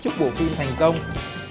chúc bộ phim thành công